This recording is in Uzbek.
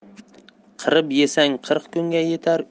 qirib yesang qirq kunga